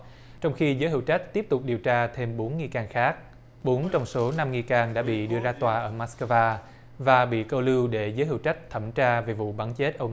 trong khi giới hữu trách tiếp tục điều tra thêm bốn nghi can khác bốn trong số năm nghi can đã bị đưa ra tòa ở mát cơ va và bị câu lưu để giới hữu trách thẩm tra về vụ bắn chết ông